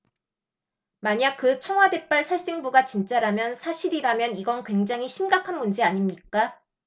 만약 그 청와대발 살생부가 진짜라면 사실이라면 이건 굉장히 심각한 문제 아닙니까